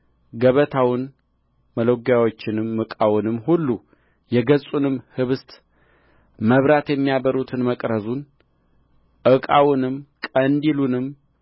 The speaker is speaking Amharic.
ገበታውን መሎጊያዎቹንም ዕቃውንም ሁሉ የገጹንም ኅብስት መብራት የሚያበሩበትን መቅረዙን ዕቃውንም ቀንዲሉንም